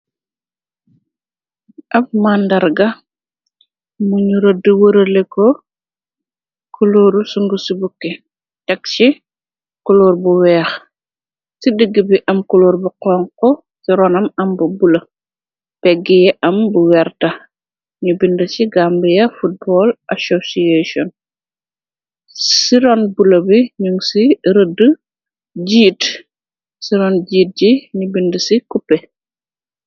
Ab màndarga buñu rëdd wëraleko kuluuru sungu ci bukke, tag ci kulour bu weex, ci digg bi am kuloor bu xonxu, ci ronam, ambu bula, pegg ye am bu werta, ñu binde ci Gàmbya Football Association, siron bula bi ñun ci rëdd jiit, si ron jiit ji ñu binde ci kuppe.